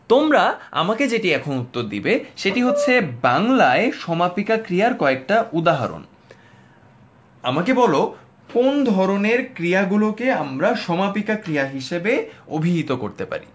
তোমরা আমাকে যেটি এখন উত্তর দিবে সেটি হচ্ছে বাংলায় সমাপিকা ক্রিয়ার কয়েকটা উদাহরণ আমাকে বল কোন ধরনের ক্রিয়া গুলোকে আমরা সমাপিকা ক্রিয়া হিসেবে অভিহিত করতে পারি